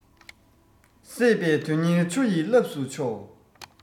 སྲེད པས དོན གཉེར ཆུ ཡི རླབས སུ འཕྱོ